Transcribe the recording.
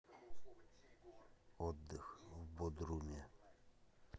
отдых в бодруме